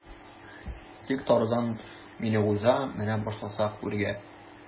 Тик Тарзан мине уза менә башласак үргә.